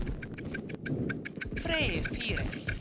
free fire